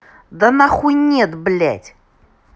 да нахуйнет блядь